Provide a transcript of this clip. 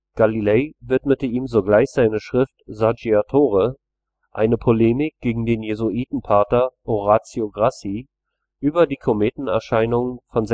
Galilei widmete ihm sogleich seine Schrift Saggiatore, eine Polemik gegen den Jesuitenpater Orazio Grassi über die Kometenerscheinungen von